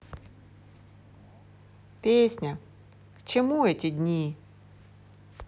песня к чему эти дни